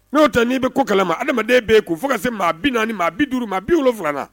N'o ta n'i bɛ ko kɛlɛma adamadamaden bɛ yen' fo ka se maa bi naaniani maa bi duuru ma bi wolo faga na